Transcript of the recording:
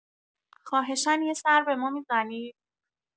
خواهشا یه سر به ما می‌زنید؟